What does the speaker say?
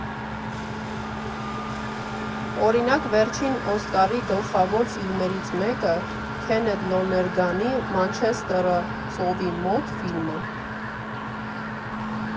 Օրինակ՝ վերջին Օսկարի գլխավոր ֆիլմերից մեկը՝ Քենեթ Լոներգանի «Մանչեսթերը ծովի մոտ» ֆիլմը։